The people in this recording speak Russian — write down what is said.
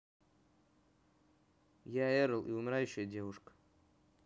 я эрл и умирающая девушка